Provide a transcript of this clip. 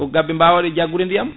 ko gabbe bawɗe jaggude ndiyam